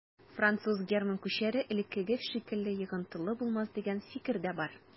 Француз-герман күчәре элеккеге шикелле йогынтылы булмас дигән фикер дә бар.